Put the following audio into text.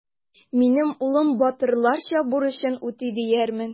Минем улым батырларча бурычын үти диярмен.